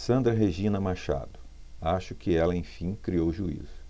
sandra regina machado acho que ela enfim criou juízo